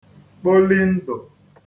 kpoli ndụ̀